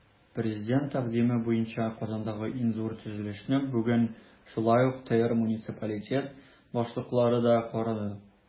Президент тәкъдиме буенча Казандагы иң зур төзелешне бүген шулай ук ТР муниципалитет башлыклары да карады.